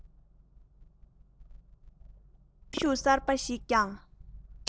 གསོན ཤུགས གསར པ ཞིག ཀྱང